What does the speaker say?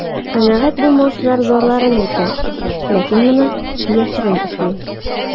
Канәгать булмаучылар зарларын әйтә, ләкин моны яшерен эшли.